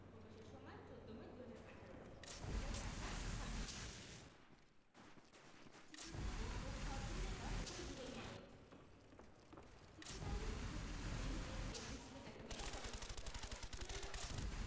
প্রকাশের সময় ১৪মে ২০১৮ বিকেল ৪টা ২৬ মিনিট চিত্রনায়িকা ও খল অভিনেতা যখন যুগল মডেল চিত্রনায়িকা বিদ্যা সিনহা মিমকে এফডিসিতে দেখা গেল ফটোশুটে কিসের ফটোশুট